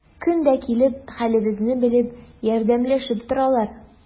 Көн дә килеп, хәлебезне белеп, ярдәмләшеп торалар.